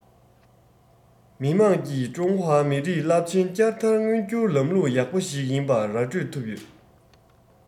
མི དམངས ཀྱིས ཀྲུང ཧྭ མི རིགས རླབས ཆེན བསྐྱར དར མངོན འགྱུར ལམ ལུགས ཡག པོ ཞིག ཡིན པ ར སྤྲོད ཐུབ ཡོད